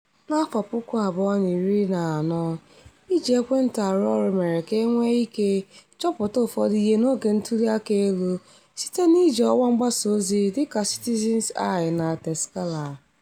N'afọ 2014, iji ekwentị arụ ọrụ mere ka e nwee ike chọpụta ụfọdụ ihe n'oge ntuliaka elu site n'iji ọwa mgbasa ozi dịka Citizen's Eye na Txeka-lá.